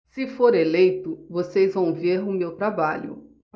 se for eleito vocês vão ver o meu trabalho